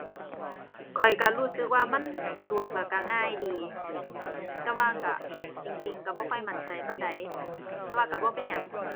ข้อยก็รู้สึกว่ามันสะดวกแล้วก็ง่ายดี แต่ว่าก็ จริงจริงกะบ่ค่อยมั่นใจปานใด แต่ว่าก็บ่เป็นหยัง